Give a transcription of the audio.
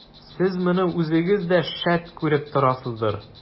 Сез моны үзегез дә, шәт, күреп торасыздыр.